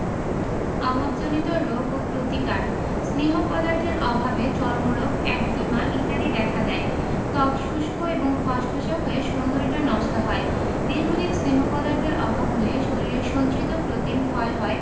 অভাবজনিত রোগ ও প্রতিকার স্নেহ পদার্থের অভাবে চর্মরোগ একজিমা ইত্যাদি দেখা দেয় ত্বক শুষ্ক এবং খসখসে হয়ে সৌন্দর্য নষ্ট হয় দীর্ঘদিন স্নেহ পদার্থের অভাব হলে শরীরের সঞ্চিত প্রোটিন ক্ষয় হয়